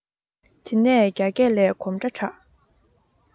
དེ ནས རྒྱ སྐས ལས གོམ སྒྲ གྲགས